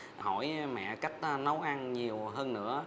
hỏi mẹ cách tên nấu ăn nhiều hơn nữa